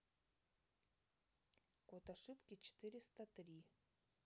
код ошибки четыреста три